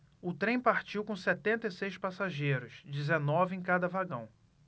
o trem partiu com setenta e seis passageiros dezenove em cada vagão